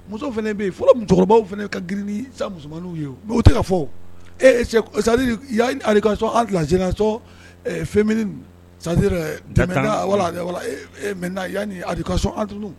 Muso fana bɛ yen fɔlɔ musokɔrɔbaw fana ka girin ni sa musoman ye o tɛ ka fɔ ee cɛ ali sɔnse sɔn fɛnini sa wala mɛ yan alika sɔn an tunun